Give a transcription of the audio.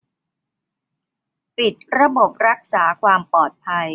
ปิดระบบรักษาความปลอดภัย